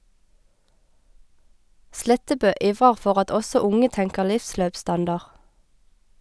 Slettebø ivrer for at også unge tenker livsløpsstandard.